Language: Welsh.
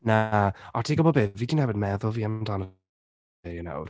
Na. Ond, ti'n gwbod be? Fi 'di newid meddwl fi amdano fe, you know.